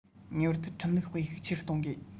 ངེས པར དུ ཁྲིམས ལུགས སྤེལ ཤུགས ཆེ རུ གཏོང དགོས